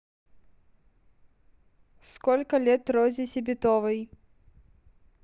сколько лет розе сябитовой